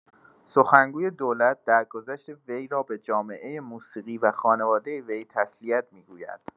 سخنگوی دولت درگذشت وی را به جامعه موسیقی و خانوادۀ وی تسلیت می‌گوید.